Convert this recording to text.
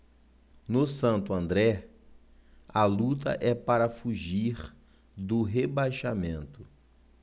no santo andré a luta é para fugir do rebaixamento